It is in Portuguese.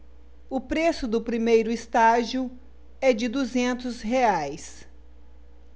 o preço do primeiro estágio é de duzentos reais